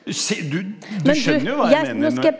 du ser du du skjønner jo hva jeg mener når jeg.